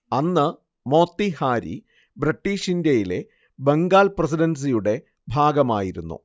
അന്ന് മോത്തിഹാരി ബ്രിട്ടീഷ് ഇന്ത്യയിലെ ബംഗാൾ പ്രസിഡൻസിയുടെ ഭാഗമായിരുന്നു